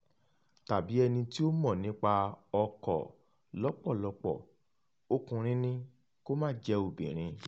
Tàbí ẹni tí ó mọ̀ nípa ọkọ̀ lọ́pọ̀lọpọ̀ – ọkùnrin ni, kó má jẹ̀ ẹ́ obìnrin.